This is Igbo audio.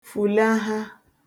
fùlaha